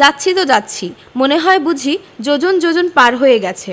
যাচ্ছি তো যাচ্ছি মনে হয় বুঝি যোজন যোজন পার হয়ে গেছে